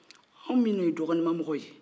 an minnu ye dɔgɔnimamɔgɔ ye